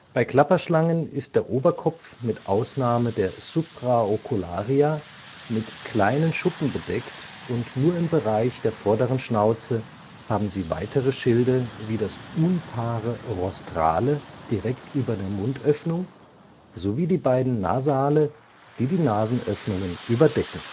Bei Klapperschlangen ist der Oberkopf mit Ausnahme der Supraocularia (Überaugenschilde) mit kleinen Schuppen bedeckt und nur im Bereich der vorderen Schnauze haben sie weitere Schilde wie das unpaare Rostrale direkt über der Mundöffnung sowie die beiden Nasale (Schuppen um die Nasenöffnung), die die Nasenöffnungen überdecken